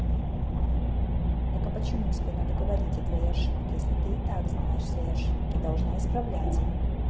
так а почему тебе надо говорить о твоей ошибки если ты и так знаешь свои ошибки должна исправлять их